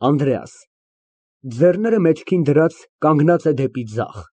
ԱՆԴՐԵԱՍ ֊ (Ձեռները մեջքին դրած, կանգնած է դեպի ձախ)։